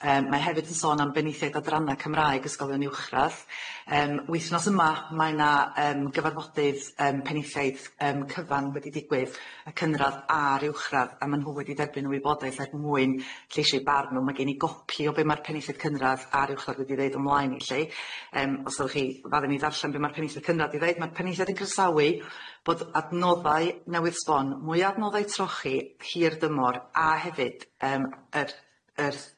yym mae hefyd yn sôn am benaethiaid adrana Cymraeg Ysgolion Uwchradd yym wythnos yma mae 'na yym gyfarfodydd yym penaethiaid yym cyfan wedi digwydd y cynradd a'r uwchradd a ma' nhw wedi derbyn y wybodaeth er mwyn lleisio'i barn, ma' gen i gopi o be' ma'r penaethiaid cynradd a'r uwchradd wedi ddeud o'm mlaen i lly yym os newch chi fadda i mi ddarllen be' ma'r penaethiaid cynradd 'di ddeud ma'r penaethiaid yn croesawu bod adnoddau newydd sbon mwy o adnoddau trochi hir-dymor a hefyd yym yr yr